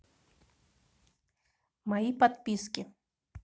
мои подписки